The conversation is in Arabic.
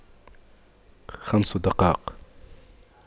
خمس دقائق